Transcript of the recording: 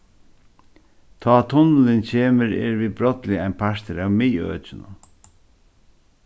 tá tunnilin kemur eru vit brádliga ein partur av miðøkinum